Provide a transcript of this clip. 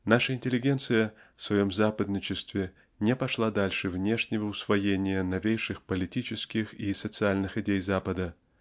Наша интеллигенция в своем западничестве не пошла дальше внешнего усвоения новейших политических и социальных идей Запада